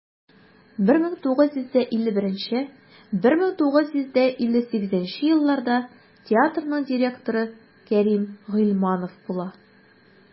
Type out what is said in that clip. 1951-1958 елларда театрның директоры кәрим гыйльманов була.